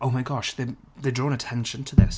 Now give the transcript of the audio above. Oh my gosh they're drawing attention to this.